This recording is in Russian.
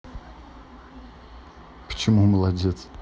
почему молодец